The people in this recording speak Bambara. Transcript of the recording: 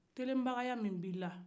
telen ya min b'i la